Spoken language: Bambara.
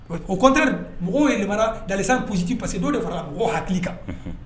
O kɔntari mɔgɔw yɛlɛmana dala psiti pa parce que dɔ de fana mɔgɔw hakili kan